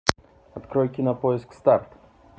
открой кинопоиск старт